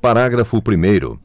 parágrafo primeiro